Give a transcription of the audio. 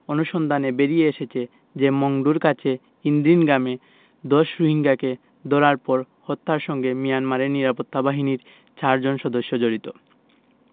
অনুসন্ধানে বেরিয়ে এসেছে যে মংডুর কাছে ইনদিন গ্রামে ১০ রোহিঙ্গাকে ধরার পর হত্যার সঙ্গে মিয়ানমারের নিরাপত্তা বাহিনীর চারজন সদস্য জড়িত